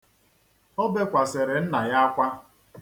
O bekwasiri nna ya akwa.